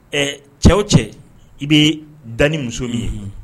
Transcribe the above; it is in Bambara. Ɛɛ cɛ o cɛ i bɛ da ni muso min ye unhun